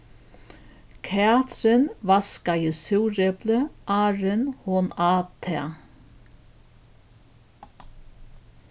katrin vaskaði súreplið áðrenn hon át tað